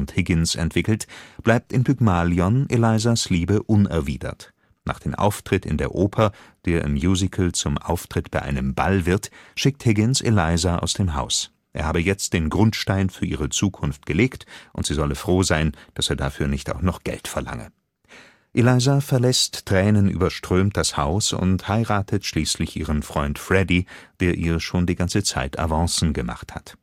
Higgins entwickelt, bleibt in Pygmalion Elizas Liebe unerwidert. Nach dem Auftritt in der Oper, der im Musical zum Auftritt bei einem Ball wird, schickt Higgins Eliza aus dem Haus. Er habe jetzt den Grundstein für ihre Zukunft gelegt, und sie solle froh sein, dass er dafür nicht auch noch Geld verlange. Eliza verlässt tränenüberströmt das Haus und heiratet schließlich ihren Freund Freddy, der ihr schon die ganze Zeit Avancen gemacht hat